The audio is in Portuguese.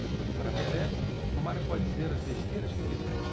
para pelé romário pode dizer as besteiras que quiser